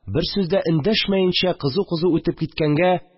Бер сүз дә эндәшмәенчә кызу-кызу үтеп киткәнгә